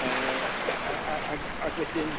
yy y a a ag ag wedyn